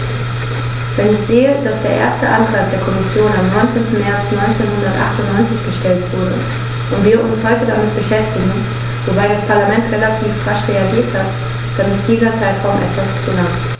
Wenn ich sehe, dass der erste Antrag der Kommission am 19. März 1998 gestellt wurde und wir uns heute damit beschäftigen - wobei das Parlament relativ rasch reagiert hat -, dann ist dieser Zeitraum etwas zu lang.